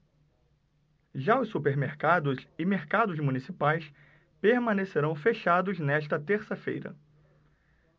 já os supermercados e mercados municipais permanecerão fechados nesta terça-feira